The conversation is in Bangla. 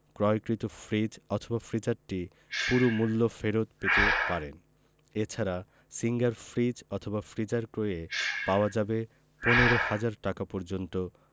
ক্রয়কৃত ফ্রিজ অথবা ফ্রিজারটি পুরো মূল্য ফেরত পেতে পারেন এ ছাড়া সিঙ্গার ফ্রিজ ফ্রিজার ক্রয়ে পাওয়া যাবে ১৫ ০০০ টাকা পর্যন্ত